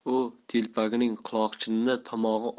u telpagining quloqchinini tomog'i